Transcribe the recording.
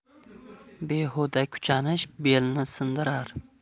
behuda kuchanish belni sindirar